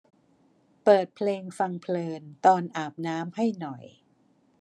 เปิดเพลงฟังเพลินตอนอาบน้ำให้หน่อย